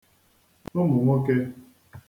ụmụ̀ nwokē